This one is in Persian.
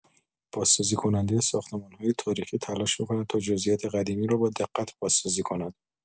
بازسازی‌کننده ساختمان‌های تاریخی تلاش می‌کند تا جزئیات قدیمی را با دقت بازسازی کند.